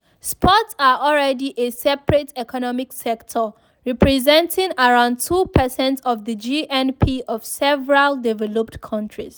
Sports are already a separate economic sector, representing around 2% of the GNP of several developed countries.